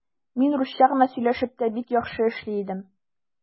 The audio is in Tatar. Мин русча гына сөйләшеп тә бик яхшы эшли идем.